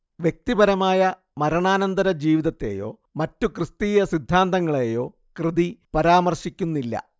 വ്യക്തിപരമായ മരണാനന്തരജീവിതത്തേയോ മറ്റു ക്രിസ്തീയ സിദ്ധാന്തങ്ങളേയോ കൃതി പരാമർശിക്കുന്നില്ല